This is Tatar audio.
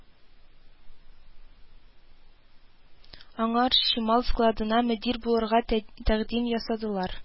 Аңар чимал складына мөдир булырга тәкъдим ясадылар